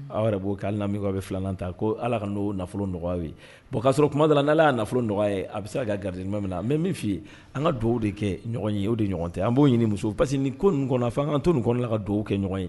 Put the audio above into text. Aw yɛrɛ b'o k hali min aw bɛ filan ta ko ala ka n'o nafolo ye bɔn k'a sɔrɔ kumada la n' y ye nafoloɔgɔ ye a bɛ se ka garidilima minna mɛ min fɔ'i an ka dugawu de kɛ ɲɔgɔn ye o de ɲɔgɔn tɛ an b'o ɲini muso parce que ni ko nin kɔnɔ an kaan to nin kɔnɔna ka dugawu kɛ ɲɔgɔn ye